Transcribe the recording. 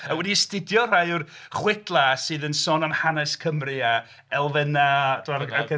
A wedi astudio rhai o'r chwedlau sydd yn sôn am hanes Cymru a elfennau .